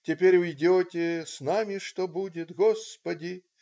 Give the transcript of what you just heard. Теперь уйдете, с нами что будет. Господи.